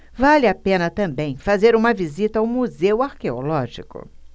vale a pena também fazer uma visita ao museu arqueológico